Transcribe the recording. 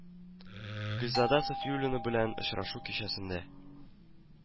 Гөлзадә Сафиуллина белән очрашу кичәсендә